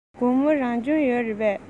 དགོང མོ རང སྦྱོང ཡོད རེད པས